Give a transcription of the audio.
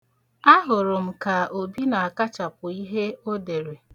Ahụrụ m ka Obi na-akachapụ ihe o dere.